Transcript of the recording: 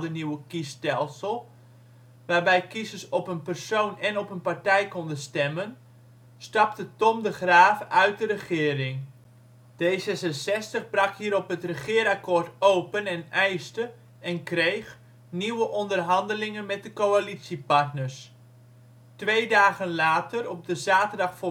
nieuwe kiesstelsel (waarbij kiezers op een persoon en op een partij konden stemmen), stapte Thom de Graaf uit de regering. D66 brak hierop het regeerakkoord open en eiste (en kreeg) nieuwe onderhandelingen met de coalitiepartners. Twee dagen later, op de zaterdag